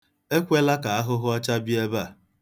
Ekwela ka ahụhụocha bịa ebe a.